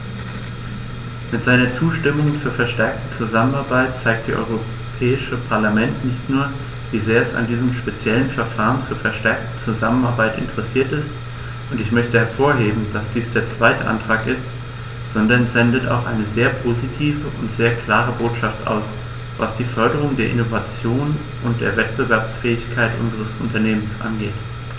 Mit seiner Zustimmung zur verstärkten Zusammenarbeit zeigt das Europäische Parlament nicht nur, wie sehr es an diesem speziellen Verfahren zur verstärkten Zusammenarbeit interessiert ist - und ich möchte hervorheben, dass dies der zweite Antrag ist -, sondern sendet auch eine sehr positive und sehr klare Botschaft aus, was die Förderung der Innovation und der Wettbewerbsfähigkeit unserer Unternehmen angeht.